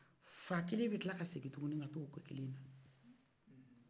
fa kelen bɛ kila ka ta o ko kelen na